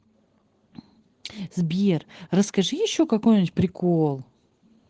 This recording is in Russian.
сбер расскажи еще какой нибудь прикол